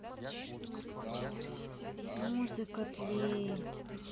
музыка тлеет